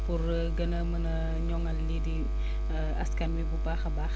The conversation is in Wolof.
pour gën a mën a ñoŋal lii di askan wi bu baax a baax